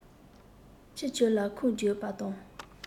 ཁྱི ཁྱོད ལ ཁུངས བརྒྱུད པ དང